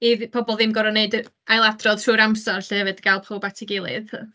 i pobl ddim gorfod wneud y ail adrodd trwy'r amser 'lly hefyd i gael pawb at ei gilydd.